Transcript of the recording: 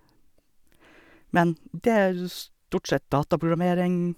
Men, det er stort sett dataprogrammering.